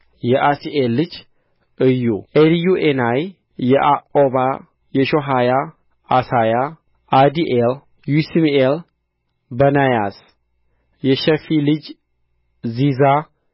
የዓሢኤል ልጅ ኢዩ ኤልዮዔናይ ያዕቆባ የሾሐያ ዓሣያ ዓዲዔል ዩሲምኤል በናያስ የሺፊ ልጅ ዚዛ